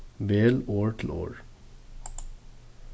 vel orð til orð